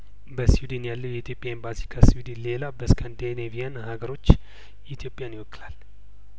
በስዊድን ያለው የኢትዮጵያ ኤምባሲ ከስዊድን ሌላ በስካንዴኔቪያን ሀገሮች ኢትዮጵያን ይወክላል